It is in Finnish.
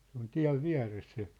se on tien vieressä se